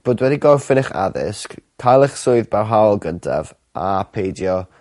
bod wedi gorffen eich addysg ca'l 'ych swydd barhaol gyntaf a peidio